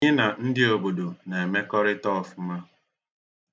Anyị na ndị obodo na-emekọrịta ọfụma.